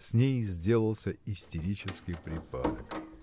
С ней сделался истерический припадок.